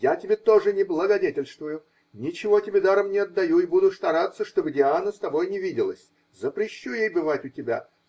я тебе тоже не благодетельствую, ничего тебе даром не отдаю и буду стараться, чтобы Диана с тобой не виделась, запрещу ей бывать у тебя